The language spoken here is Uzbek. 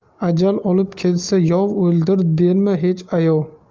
ajal olib kelsa yov o'ldir berma hech ayov